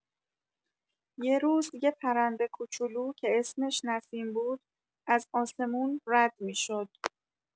یه روز، یه پرنده کوچولو که اسمش نسیم بود، از آسمون رد می‌شد.